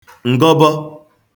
ǹgọbọ